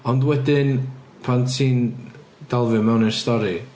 Ond wedyn pan ti'n dal fi mewn i'r stori...